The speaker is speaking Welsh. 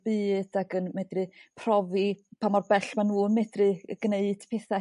byd ag yn medru profi pa mor bell ma' nhw yn medru y g'neud petha'